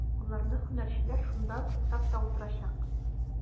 Аларны һөнәрчеләр шунда ук ясап та утырачак.